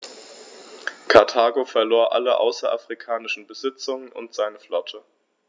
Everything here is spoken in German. Karthago verlor alle außerafrikanischen Besitzungen und seine Flotte.